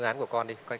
án của con đi